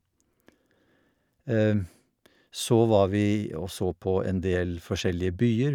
Så var vi og så på en del forskjellige byer.